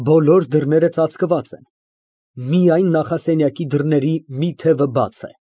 Բոլոր դռները ծածկված են, միայն նախասենյակի դռների մի թևը բաց է։